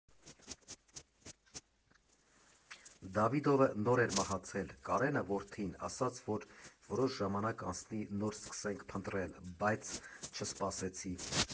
Դավիդովը նոր էր մահացել, Կարենը՝ որդին, ասաց, որ որոշ ժամանակ անցնի՝ նոր սկսենք փնտրել, բայց չսպասեցի։